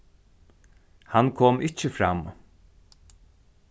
hann kom ikki fram